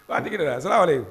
salamu aleyiku